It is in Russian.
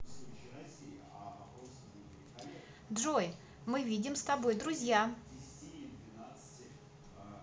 джой мы видим с тобой друзья